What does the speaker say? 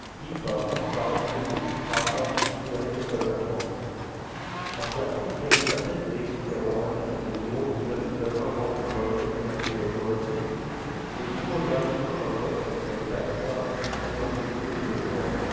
Hiebwaffen waren die wichtigsten Tatwaffen während des Völkermordes. Nach der offiziellen Statistik der ruandischen Regierung über den Völkermord von 1994 sind 37,9 Prozent der Opfer mit Macheten getötet worden